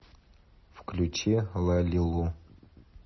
включи лалилу